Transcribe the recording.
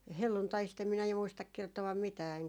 helluntaista en minä ju muista kertoa mitään enkä